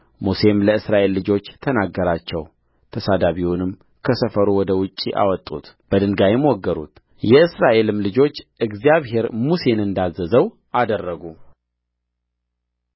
ሙሴም ለእስራኤል ልጆች ተናገራቸው ተሳዳቢውንም ከሰፈሩ ወደ ውጭ አወጡት በድንጋይም ወገሩት የእስራኤልም ልጆች እግዚአብሔር ሙሴን እንዳዘዘው አደረጉ